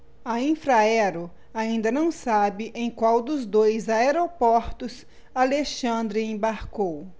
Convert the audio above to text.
a infraero ainda não sabe em qual dos dois aeroportos alexandre embarcou